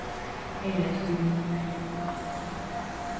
heygatún